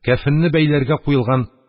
Кәфенне бәйләргә куелган